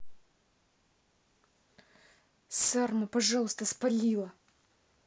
sarma пожалуйста спалила